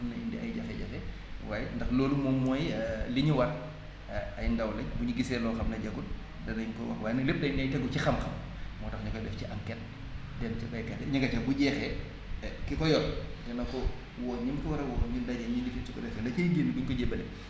mën na indi ay jafe-jafe waaye ndax loolu moom mooy li ñu war ay ndaw lañ bu ñu gisee loo xam ne jagul danañ ko wax waaye nag lépp nag nay tegu ci xam-xam moo tax ñu koy def ci enquête ndem ca baykat ya ña nga ca bu jeexee ki ko yor dina ko woo ñi mu ci ko war a woo ñu daje ñu lifin su ko defee la cay génn buñ ko jébale